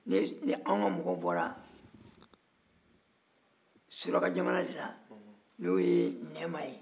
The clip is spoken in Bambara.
anw ka mɔgɔw bɔra surakajamana de la n'o ye nɛma ye